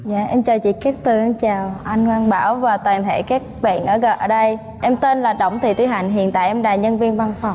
dạ em chào chị kít tường em chào anh quang bảo và toàn thể các bạn ở gờ ở đây em tên là động thị thúy hạnh hiện tại em là nhân viên văn phòng